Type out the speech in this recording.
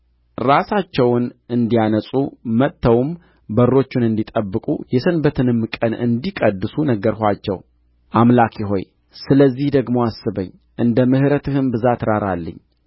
ራሳቸውን እንዲያነጹ መጥተውም በሮቹን እንዲጠብቁ የሰንበትንም ቀን እንዲቀድሱ ነገርኋቸው አምላኬ ሆይ ስለዚህ ደግሞ አስበኝ እንደ ምሕረትህም ብዛት ራራልኝ